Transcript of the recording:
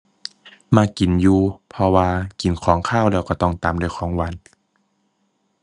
มักกินอยู่ เพราะว่ากินของคาวแล้วก็ต้องตามด้วยของหวาน